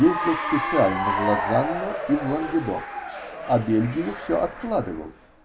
Ездил специально в Лозанну и в Лангедок, а Бельгию все откладывал.